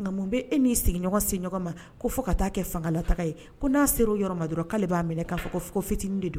Nka mun bɛ e y'i sigiɲɔgɔn se ɲɔgɔn ma ko fo ka taaa kɛ fangala taga ye ko n'a sera o yɔrɔma dɔrɔn k' b'a minɛ k'a fɔ ko fɔ fitinin de don